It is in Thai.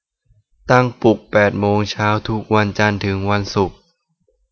ตั้งปลุกแปดโมงเช้าทุกวันจันทร์ถึงวันศุกร์